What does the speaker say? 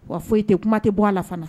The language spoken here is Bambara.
Wa foyi tɛ yen, kuma tɛ bɔ a la fana.